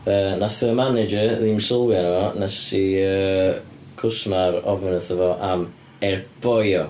Yy wnaeth y manager ddim sylwi arno fo nes i yy cwsmer ofyn wrtho fo am el pollo.